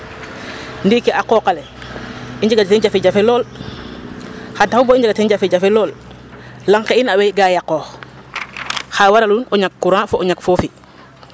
Ndiiki a qooq ale i njega teen jafe jafe lool. xar taxu bo i njegaa teen jafe jafe lool lang ke ino way gaa yaqoox xa waralun o ñak courant fo o ñak foofi .